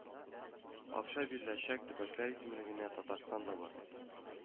Акча биреләчәк төбәкләр исемлегендә Татарстан да бар